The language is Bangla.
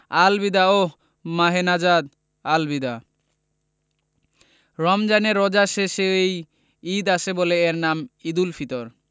আল বিদা ওহঃ মাহে নাজাত আল বিদা রমজানের রোজার শেষে এই ঈদ আসে বলে এর নাম ঈদুল ফিতর